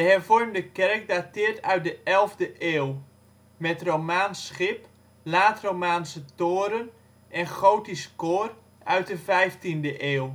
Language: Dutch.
hervormde kerk dateert uit de 11e eeuw, met romaans schip, laat-romaanse toren en gotisch koor uit de 15e eeuw.